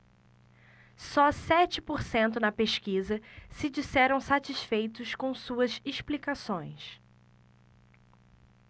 só sete por cento na pesquisa se disseram satisfeitos com suas explicações